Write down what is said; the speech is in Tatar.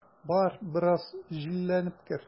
Бар, бераз җилләнеп кер.